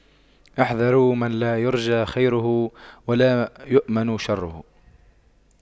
احذروا من لا يرجى خيره ولا يؤمن شره